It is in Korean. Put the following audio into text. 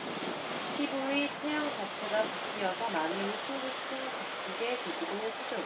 피부의 체형 자체가 바뀌어서 많이 울퉁불퉁 바뀌게 되기도 하죠